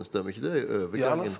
stemmer ikke det i overgangen?